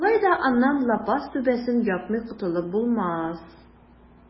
Шулай да аннан лапас түбәсен япмый котылып булмас.